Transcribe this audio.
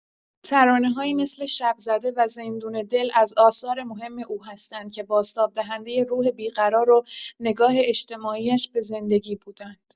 ترانه‌هایی مثل شب‌زده و زندون دل از آثار مهم او هستند که بازتاب‌دهنده روح بی‌قرار و نگاه اجتماعی‌اش به زندگی بودند.